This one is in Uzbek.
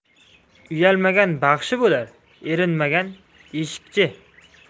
uyalmagan baxshi bo'lar erinmagan eshikchi